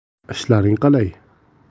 ishlaring qalay